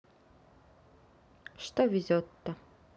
что везет то